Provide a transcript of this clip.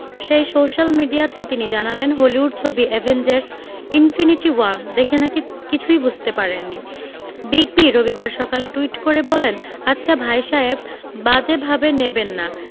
সেই সোশ্যাল মিডিয়াতে তিনি জানালেন হলিউড ছবি অ্যাভেঞ্জার্স ইনফিনিটি ওয়ার্ম দেখে নাকি কিছুই বুঝতে পারেননি বিগ বি রবিবার সকালেই টুইট করে বলেন আচ্ছা ভাই সাহেব বাজে ভাবে নেবেন না